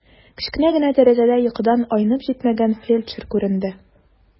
Кечкенә генә тәрәзәдә йокыдан айнып җитмәгән фельдшер күренде.